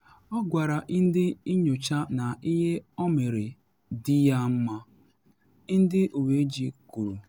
Ọ gwara ndị nyocha na ihe ọ mere dị ya mma, ndị uwe ojii kwuru.